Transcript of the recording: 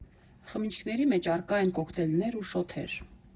Խմիչքների մեջ առկա են կոկտեյլներ ու շոթեր։